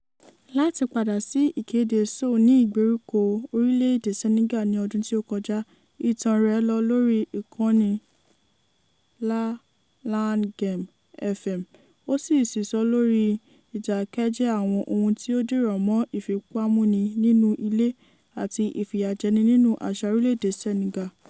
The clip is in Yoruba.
Láti padà sí ìkéde Sow ní ìgbèríko orílẹ̀ èdè Senegal ní ọdún tí ó kọjá: ìtàn rẹ̀ lọ lórí ìkànnì La Laghem FM, ó sì sísọ lórí ìdákẹ́jẹ́ àwọn ohun tí o dìrọ̀ mọ́ ìfipámúni nínú ilé àti ìfìyàjẹni nínú àṣà orílẹ̀ èdè Senegal.